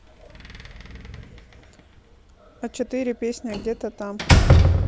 а четыре песня где то там